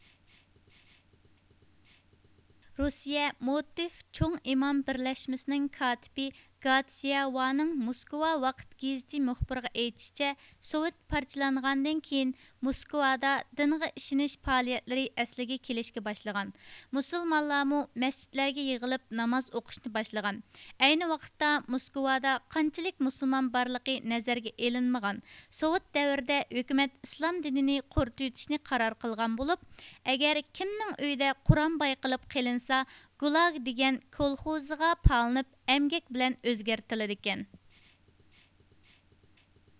رۇسىيە مۇتىف چوڭ ئىمام بىرلەشمىسىنىڭ كاتىپى گاتسىيەۋانىڭ موسكۋا ۋاقىت گېزىتى مۇخبىرىغا ئېيتىشىچە سوۋېت پارچىلانغاندىن كېيىن موسكۋادا دىنغا ئىشىنىش پائالىيەتلىرى ئەسلىگە كېلىشكە باشلىغان مۇسۇلمانلارمۇ مەسچىتلەرگە يىغىلىشىپ ناماز ئۇقۇشنى باشلىغان ئەينى ۋاقىتتا موسكۋادا قانچىلىك مۇسۇلمان بارلىقى نەزەرگە ئېلىنمىغان سوۋېت دەۋرىدە ھۆكۈمەت ئىسلام دىنىنى قۇرۇتۇۋېتىشنى قارار قىلغان بولۇپ ئەگەر كىمنىڭ ئۆيىدە قۇرئان بايقىلىپ قېلىنسا گۇلاگ دېگەن بىر كولخوزغا پالىنىپ ئەمگەك بىلەن ئۆزگەرتىلىدىكەن